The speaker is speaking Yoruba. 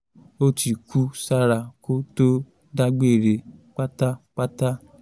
Ó ti kú sára kó tó dágbére pátápátá.